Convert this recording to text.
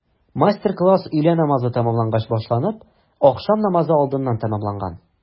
Мастер-класс өйлә намазы тәмамлангач башланып, ахшам намазы алдыннан тәмамланган.